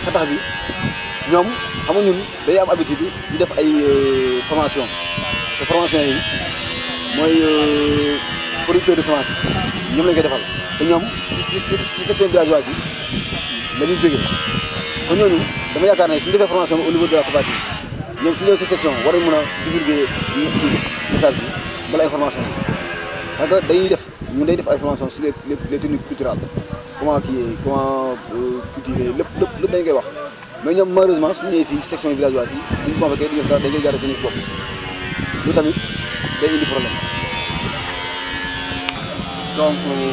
xetax gi ñoom xam nga ñun dañuy am habitude di def ay formations te formations yi mooy producteurs de semence ñoom lañ koy defal te ñoom si si si section * bi la ñu jógee te ñooñu dama yaakaar ne suñ defee formation bi au niveau de la coopérative ñooñu suñ demee sa section ya war nañ mun a divulguer liñ kii message bi wala information bi parce que dañuy def ñun dañuy def ay formations sur le le truc cultural comment kii comment cultiver lépp lépp dañ koy wax mais ñoom malheureusement suñ ñëwee fii sections villageoises yi buñ convoqué da ñuy *** toog loolu tamit day indi probl-me